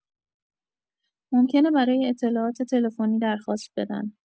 ممکنه برای اطلاعات تلفنی درخواست بدن.